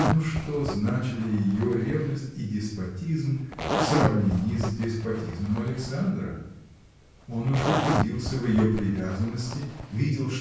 Но что значили ее ревность и деспотизм в сравнении с деспотизмом Александра? Он уж убедился в ее привязанности видел